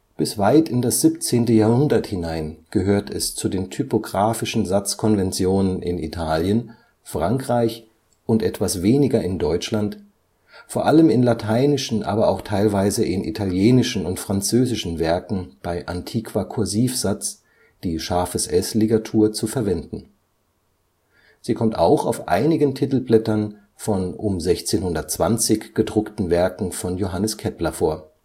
Bis weit in das 17. Jahrhundert hinein gehört es zu den typografischen Satzkonventionen in Italien, Frankreich und etwas weniger in Deutschland, vor allem in lateinischen, aber auch teilweise in italienischen und französischen Werken bei Antiquakursivsatz, die ß-Ligatur zu verwenden. Sie kommt auch auf einigen Titelblättern von um 1620 gedruckten Werken von Johannes Kepler vor